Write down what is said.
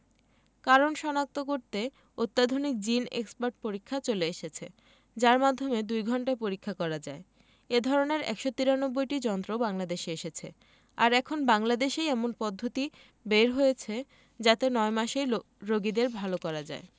কারণ শনাক্ত করতে অত্যাধুনিক জিন এক্সপার্ট পরীক্ষা চলে এসেছে যার মাধ্যমে দুই ঘণ্টায় পরীক্ষা করা যায় এ ধরনের ১৯৩টি যন্ত্র বাংলাদেশে এসেছে আর এখন বাংলাদেশই এমন পদ্ধতি বের হয়েছে যাতে ৯ মাসেই রোগীদের ভালো করা যায়